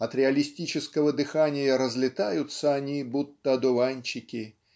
От реалистического дыхания разлетаются они будто одуванчики